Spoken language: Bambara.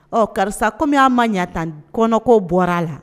Ɔ karisa kɔmi y'a ma ɲa tan kɔnɔko bɔra a la